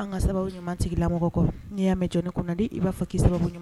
An ka kan ka sababu ɲuman tigilamɔgɔ kɔnɔ n'i y'a mɛn jɔnni kunandi, i b'a fɔ k'i sababu ɲuman.